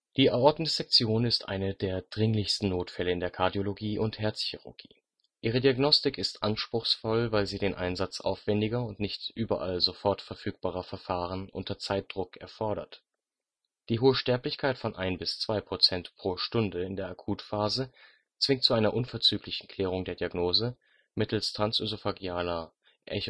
Die Aortendissektion ist einer der dringlichsten Notfälle in der Kardiologie und Herzchirurgie; ihre Diagnostik ist anspruchsvoll, weil sie den Einsatz aufwändiger und nicht überall sofort verfügbarer Verfahren unter Zeitdruck erfordert. Die hohe Sterblichkeit von ein bis zwei Prozent pro Stunde in der Akutphase zwingt zu einer unverzüglichen Klärung der Diagnose mittels transoesophagealer TEE